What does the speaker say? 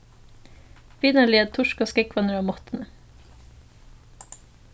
vinarliga turka skógvarnar á mottuni